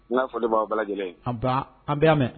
N la foli b'aw bɛɛ lajɛlen ye, an baa, an bɛ y'a mɛn!